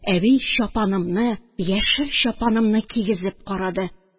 Әби чапанымны, яшел чапанымны кигезеп карады